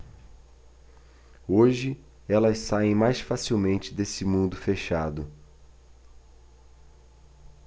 hoje elas saem mais facilmente desse mundo fechado